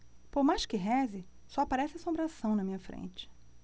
por mais que reze só aparece assombração na minha frente